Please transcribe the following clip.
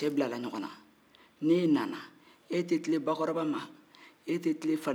e tɛ tilen bakɔrɔba ma e tɛ tilen fanincinin ma